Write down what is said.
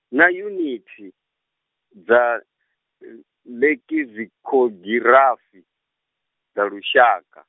na yuniti, dza, l- lekizikhogirafi, dza lushaka.